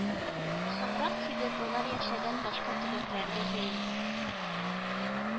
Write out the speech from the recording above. Соңрак тибетлылар яшәгән башка төбәкләргә җәелде